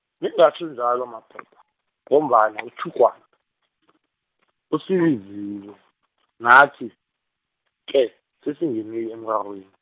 ningatjho njalo madoda, ngombana uThugwana, usibizile, nathi, ke, sesingenile emrarweni.